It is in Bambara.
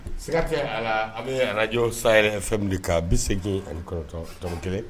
Siga kɛ a la an bɛ araj san yɛrɛ fɛn ka bi seginegin anitɔn kelen